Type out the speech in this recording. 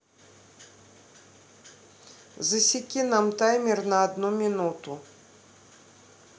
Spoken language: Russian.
засеки нам таймер на одну минуту